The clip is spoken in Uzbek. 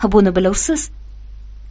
buni bilursiz